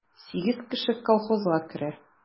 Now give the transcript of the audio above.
Сигез кеше колхозга керә.